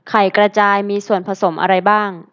ไข่กระจายมีส่วนผสมอะไรบ้าง